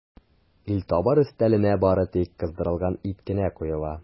Илтабар өстәленә бары тик кыздырылган ит кенә куела.